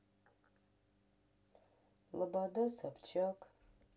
лобода собчак